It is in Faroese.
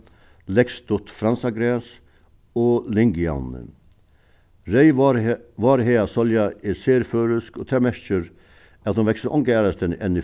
leggstutt fransagras og lyngjavni reyð várhagasólja er serføroysk og tað merkir at hon veksur onga aðrastaðni enn í